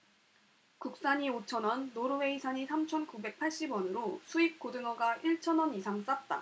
국산이 오 천 원 노르웨이산이 삼 천 구백 팔십 원으로 수입 고등어가 일 천 원 이상 쌌다